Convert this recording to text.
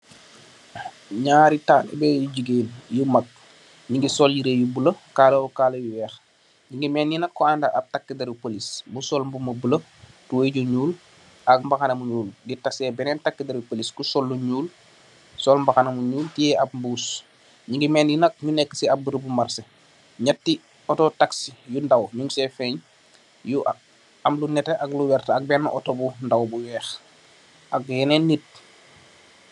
Nyare talebeh yu gigen nu gi kala kala bu wey, nu gi melni yu gi anda taka derr li police sul bubu bu bolo, tubay gu nul ak mbahana bu nglu tasi binen takaderr le polic bu sol lu nul ak mbahana bu nglu tey mboss nu gi mel ni si bere bi marse lei neti oto tasi nusai yu ndaw bu am lu nette lu honko ak ynen nit.